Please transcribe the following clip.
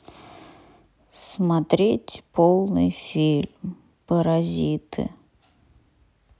смотреть полный фильм паразиты